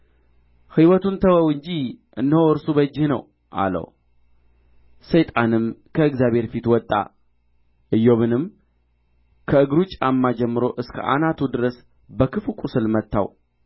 ሕይወቱን ተወው እንጂ እነሆ እርሱ በእጅህ ነው አለው ሰይጣንም ከእግዚአብሔር ፊት ወጣ ኢዮብንም ከእግሩ ጫማ ጀምሮ እስከ አናቱ ድረስ በክፉ ቍስል መታው